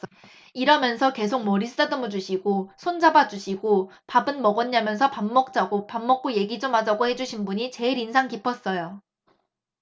이러면서 계속 머리 쓰다듬어주시고 손 잡아주시고 밥은 먹었냐면서 밥 먹자고 밥 먹고 얘기 좀 하자고 해 주신 분이 제일 인상 깊었어요